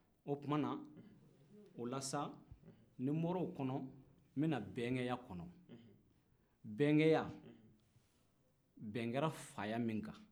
o tuma na o la sa ni n bɔr'o kɔnɔ n bɛ na bɛnkɛya kɔnɔ bɛnkɛya bɛn kɛra faya min kan